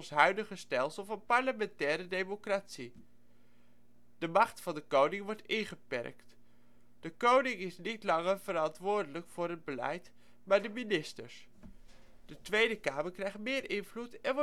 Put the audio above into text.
huidige stelsel van parlementaire democratie. De macht van de koning wordt ingeperkt. De koning is niet langer verantwoordelijk voor het beleid, maar de ministers. De Tweede Kamer krijgt meer invloed en